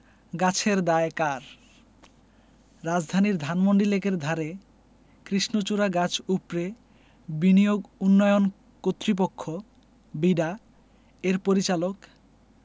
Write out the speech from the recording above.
গাছের দায় কার রাজধানীর ধানমন্ডি লেকের ধারে কৃষ্ণচূড়া গাছ উপড়ে বিনিয়োগ উন্নয়ন কর্তৃপক্ষ বিডা এর পরিচালক